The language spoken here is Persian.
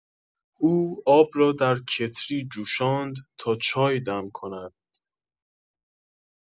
او آب را در کتری جوشاند تا چای دم کند.